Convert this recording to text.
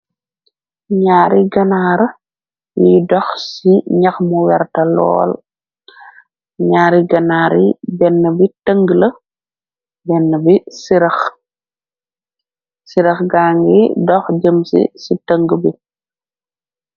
ñaari ganaara yiy dox ci ñax mu werta lool ñaari ganaar yi bn bi tënl sirax gang yi dox jëm ci ci tëng bi.